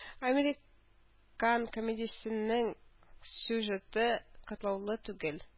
«американ» комедиясенең сюжеты катлаулы түгел.